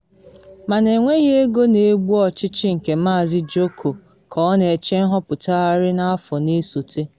Mana enweghị ego na egbu ọchịchị nke Maazị Joko ka ọ na eche nhọpụtagharị n’afọ na esote.